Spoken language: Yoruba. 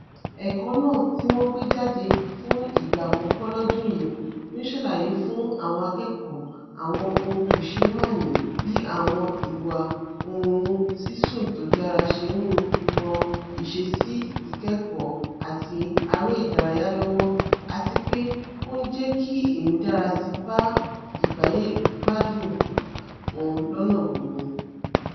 Ẹ̀kọ́ náà, tíwọ́n gbé jáde fún ìgbà àkọ́kọ́ lọ́dún yìí, ń ṣàlàyé fún àwọn akẹ́kọ̀ọ́ àwọn ohun kòṣeémáàní bí àwọn ìwà oorun sísùn tódára ṣe ńran ìṣeṣí ìkẹ́kọ̀ọ́ àti aré ìdárayá lọ́wọ́, àtipé ó ń jẹ́kí ìmúdárasíi bá ìgbáyé-gbádùn wọn lọ́nà gbogbo.